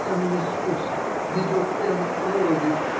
Каменный спуск ведет прямо к проруби.